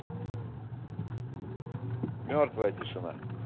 мертвая тишина